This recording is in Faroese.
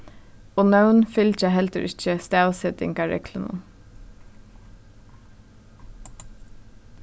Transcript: og nøvn fylgja heldur ikki stavsetingarreglunum